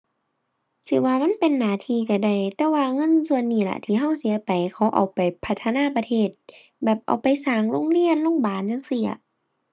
สิว่ามันเป็นหน้าที่ก็ได้ แต่ว่าเงินส่วนนี้ล่ะ ที่ก็เสียไป เขาเอาไปพัฒนาประเทศ แบบเอาไปสร้างโรงเรียน โรงบาลจั่งซี้อะ